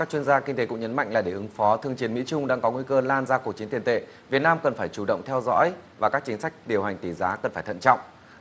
các chuyên gia kinh tế cũng nhấn mạnh là để ứng phó thương chiến mỹ trung đang có nguy cơ lan ra cuộc chiến tiền tệ việt nam cần phải chủ động theo dõi và các chính sách điều hành tỷ giá cần phải thận trọng